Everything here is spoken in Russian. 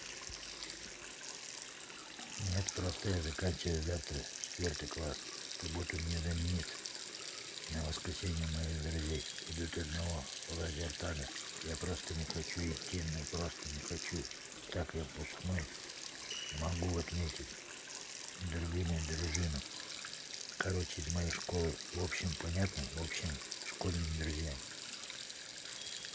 нет просто я заканчиваю завтра четвертый класс в субботу мне заменится на воскресенье моих друзей идут одного лазертага я просто не хочу идти но просто не хочу так я пускной могу отметить другим дружину короче из моей школы в общем понятно в общем школьными друзьями